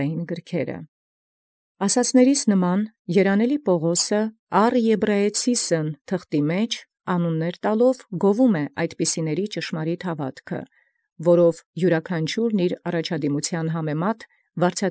Հանգոյն ասացելոցս երանելւոյն Պաւղոսի առ Եբրայեցիսն կարգեալ զանուանս՝ գովէ զնոցին ճշմարտութիւն հաւատոցն. որով զվարձահատոյց։